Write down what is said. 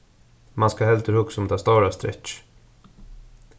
mann skal heldur hugsa um tað stóra strekkið